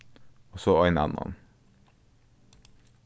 og so ein annan